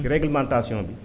reglementation bi